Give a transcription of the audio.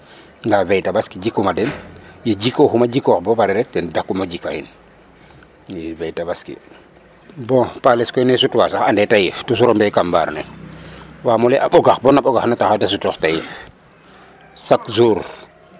Ndaa veille tabaski jikum a den ye jikooxuma jikoox bo pare rek ten dakum a jikahin i veille tabaski bon paales koy ne sutwa koy andee tafil toujours o mbay kam mbaar ne waam o lay ee a ɓogax bona ɓogax na taxaa da sutoox tafil chaque jour.